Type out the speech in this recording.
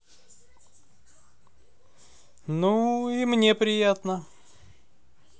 ну и мне приятно